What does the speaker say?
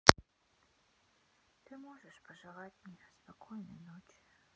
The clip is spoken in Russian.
ты можешь пожелать мне спокойной ночи